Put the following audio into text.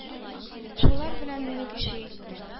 Шулар белән мине кеше иттең,